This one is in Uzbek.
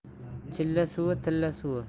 chilla suvi tilla suvi